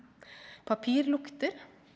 papir lukter.